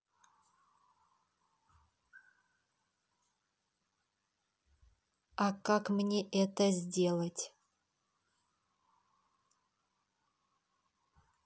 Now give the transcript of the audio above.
а как мне это сделать